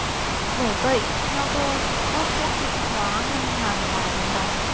bởi vậy theo tôi bước quốc hữu hóa ngân hàng là đúng đắn